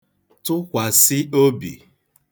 tụkwàsị obì